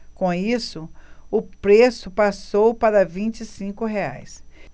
com isso o preço passou para vinte e cinco reais